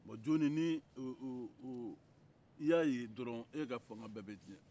bɔn jo nin n'i y'a ye dɔrɔn i ka fanga bɛ cɛn